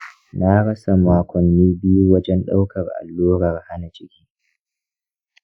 na rasa makonni biyu wajen ɗaukar allurar hana ciki.